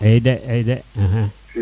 ide